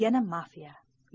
yana mafiya